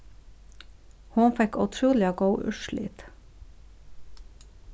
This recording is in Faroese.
hon fekk ótrúliga góð úrslit